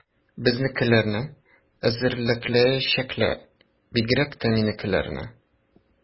Безнекеләрне эзәрлекләячәкләр, бигрәк тә минекеләрне.